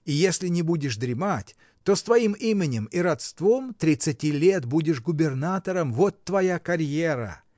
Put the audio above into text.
И если не будешь дремать, то с твоим именем и родством тридцати лет будешь губернатором. Вот твоя карьера!